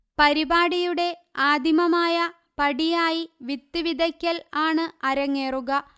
പരിപാടിയുടെ ആദിമമായ പടിയായി വിത്ത് വിതയ്ക്കൽ ആണ് അരങ്ങേറുക